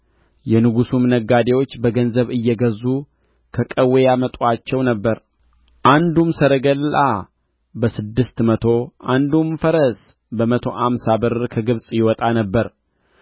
የንጉሡም ነገዴዎች በገንዘብ እየገዙ ከቀዌ ያመጡአቸው ነበር አንዱም ሰረገላ በስድስት መቶ አንዱም ፈረስ በመቶ አምሳ ብር ከግብጽ ይወጣ ነበር